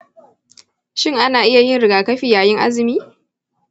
shin ana iya yin rigakafi yayin azumi?